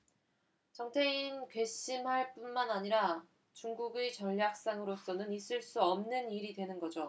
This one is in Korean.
정태인 괘씸할 뿐만 아니라 중국의 전략상으로서는 있을 수 없는 일이 되는 거죠